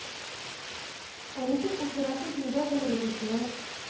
— ә ничек уздырасыз монда гомерегезне